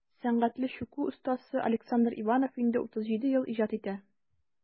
Сәнгатьле чүкү остасы Александр Иванов инде 37 ел иҗат итә.